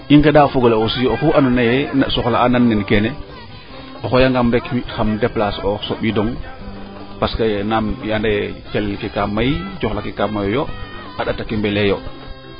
i ngenda fogole aussi oxu ando naye soxla a nan nen keene o xooya ngaam rek mi xam deplacer oox soɓidong parce que naam i anda ye calel ke kaa may coxla ke kaa mayo yo a ndata ke mbeleeyo